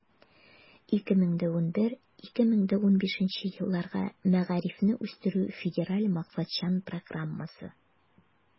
2011 - 2015 елларга мәгарифне үстерү федераль максатчан программасы.